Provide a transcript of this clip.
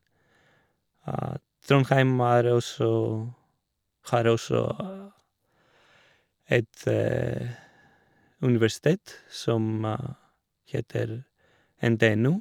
Trondheim er også har også et universitet som heter NTNU.